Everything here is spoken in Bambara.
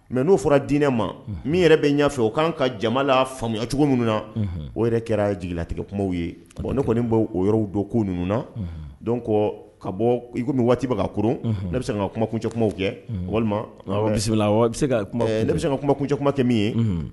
Mɛ n'o fɔra d diinɛ ma min yɛrɛ bɛ ɲɛfɛ o kan ka jama la faamuyaya cogo min na o yɛrɛ kɛra ye jiginlatigɛ kumaw ye bɔn ne kɔni b' o yɔrɔ don ko ninnu na don kɔ ka bɔ i waati bɛ kaurun ne bɛ se ka kumacɛ kuma kɛ walima bisimila bɛ se ka kumacɛ kuma tɛ min ye